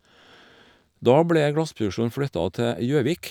Da ble glassproduksjonen flytta til Gjøvik.